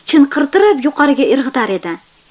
chinqirtirib yuqoriga irg'itar edi